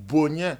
Bonya